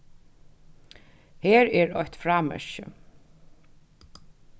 her er eitt frámerki